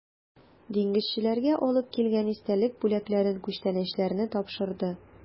Диңгезчеләргә алып килгән истәлек бүләкләрен, күчтәнәчләрне тапшырды.